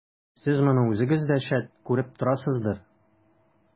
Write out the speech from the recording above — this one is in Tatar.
Сез моны үзегез дә, шәт, күреп торасыздыр.